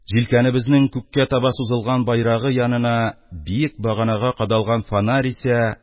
Җилкәнебезнең күккә таба сузылган байрагы янына, биек баганага кадалган фонарь исә